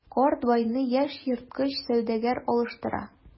Карт байны яшь ерткыч сәүдәгәр алыштыра.